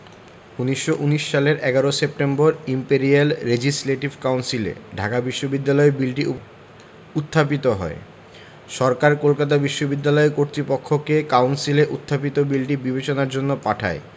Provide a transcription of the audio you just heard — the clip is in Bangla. ১৯১৯ সালের ১১ সেপ্টেম্বর ইম্পেরিয়াল রেজিসলেটিভ কাউন্সিলে ঢাকা বিশ্ববিদ্যালয় বিলটি উত্থাপিত হয় সরকার কলকাতা বিশ্ববিদ্যালয় কর্তৃপক্ষকে কাউন্সিলে উত্থাপিত বিলটি বিবেচনার জন্য পাঠায়